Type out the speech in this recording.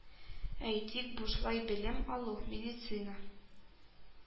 Әйтик, бушлай белем алу, медицина